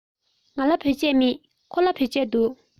ང ལ བོད ཆས མེད ཁོ ལ བོད ཆས འདུག